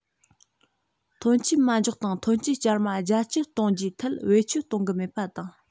ཐོན སྐྱེད མ འཇོག དང ཐོན སྐྱེད བསྐྱར མ རྒྱ བསྐྱེད གཏོང རྒྱུའི ཐད བེད སྤྱོད གཏོང གི མེད པ དང